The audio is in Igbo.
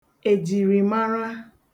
èjìrìmarā